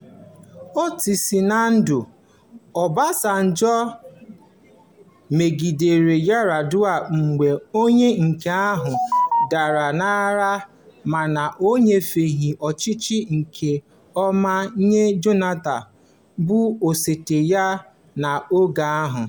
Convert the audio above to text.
Etuosinadị, Obasanjo megidere Yar'Adua mgbe onye nke ahụ dara n'ọrịa ma o nyefeghị ọchịchị nke ọma nye Jonathan, bụ osote ya n'oge ahụ.